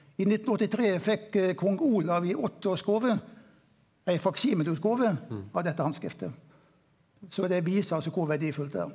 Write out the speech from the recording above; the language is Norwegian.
i 1983 fekk kong Olav i åttiårsgåve ei faksimileutgåve av dette handskriftet, så det viser altså kor verdifullt det er.